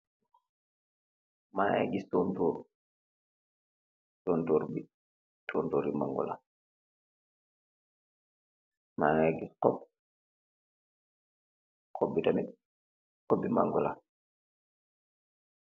Ma nge gis tontor, tontorbi tontori mangola, ma nge gis xob xobi tamin, xobi mangola